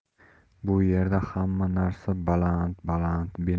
bu yerda hamma narsa baland